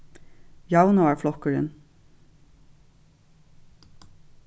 javnaðarflokkurin